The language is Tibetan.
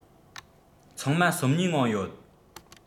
ཚང མ སོམ ཉིའི ངང ཡོད